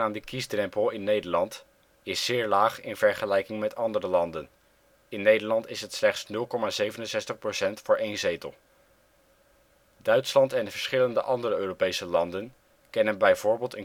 De kiesdrempel is in Nederland zeer laag in vergelijking met andere landen (0,67 %, 1 zetel). Duitsland en verschillende andere Europese landen kennen bijvoorbeeld